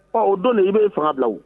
Ɔ o don i b bɛ e faga bila